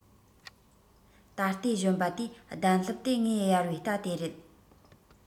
ད ལྟའི གཞོན པ དེའི གདན ལྷེབ དེ ངས གཡར བའི རྟ དེ རེད